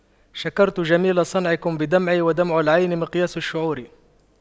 شكرت جميل صنعكم بدمعي ودمع العين مقياس الشعور